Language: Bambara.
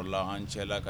Yɔrɔ an cɛla ka